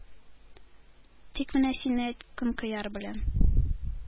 Тик менә син әйт: Конкояр белән